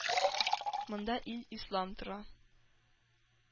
Монда ил-ислам тора.